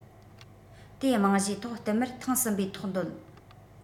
དེའི རྨང གཞིའི ཐོག བསྟུད མར ཐེངས གསུམ པའི ཐོག འདོད